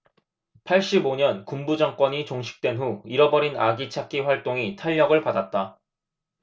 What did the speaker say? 팔십 오 년 군부 정권이 종식된 후 잃어버린 아기 찾기 활동이 탄력을 받았다